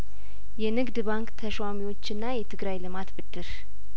የንግድ ባንክ ተሿሚዎችና የትግራይ ልማት ብድር